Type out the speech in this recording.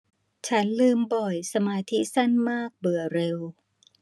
ฉันลืมบ่อยสมาธิสั้นมากเบื่อเร็ว